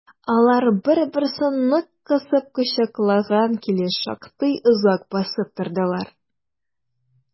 Алар бер-берсен нык кысып кочаклаган килеш шактый озак басып тордылар.